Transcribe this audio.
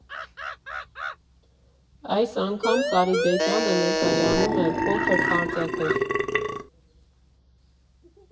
Այս անգամ Սարիբեկյանը ներկայանում է փոքր արձակով.